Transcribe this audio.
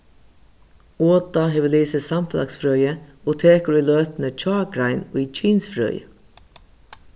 oda hevur lisið samfelagsfrøði og tekur í løtuni hjágrein í kynsfrøði